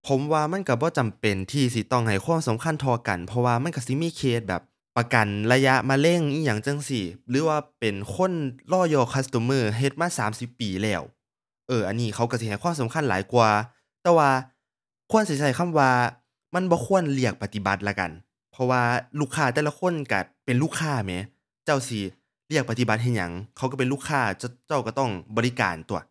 ผมว่ามันก็บ่จำเป็นที่สิต้องให้ความสำคัญเท่ากัน เพราะว่ามันก็สิมีเคสแบบประกันระยะมะเร็งอิหยังจั่งซี้ หรือว่าเป็นคน royal customer เฮ็ดมาสามสิบปีแล้ว เอ้อ อันนี้เขาก็สิให้ความสำคัญหลายกว่าแต่ว่าควรสิก็คำว่า มันบ่เลือกปฏิบัติละกัน เพราะว่าลูกค้าแต่ละคนก็เป็นลูกค้าแหม เจ้าสิเลือกปฏิบัติเฮ็ดหยัง เขาก็เป็นลูกค้า เจ้า เจ้าก็ต้องบริการตั่ว